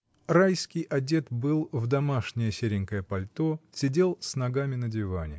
Райский одет был в домашнее серенькое пальто, сидел с ногами на диване.